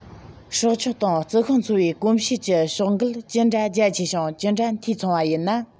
སྲོག ཆགས དང རྩི ཤིང འཚོ བའི གོམས གཤིས ཀྱི ཕྱོགས འགལ ཅི འདྲ རྒྱ ཆེ ཞིང ཇི འདྲ འཐུས ཚང བ ཡིན ན